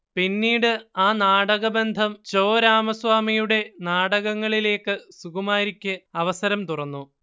പിന്നീട് ആ നാടകബന്ധം ചോ രാമസ്വാമിയുടെ നാടകങ്ങളിലേക്ക് സുകുമാരിക്ക് അവസരം തുറന്നു